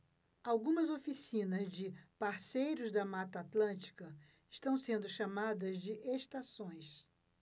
algumas oficinas de parceiros da mata atlântica estão sendo chamadas de estações